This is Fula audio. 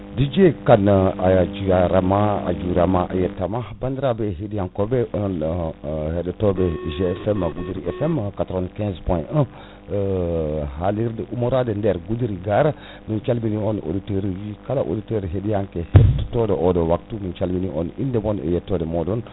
Dj Kane a jarama a jurama a yettama bandiraɓe heɗiyankoɓe on heɗotoɓe GFM Goudira FM 95.1 halirde ummorade e nder Gudira gare min calminimon auditeur uji ɗi kala auditeur heɗiyanke ketoɗo oɗo wapyu min calmini on inde mon e yettode moɗon